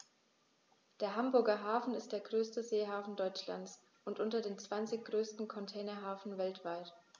Der Hamburger Hafen ist der größte Seehafen Deutschlands und unter den zwanzig größten Containerhäfen weltweit.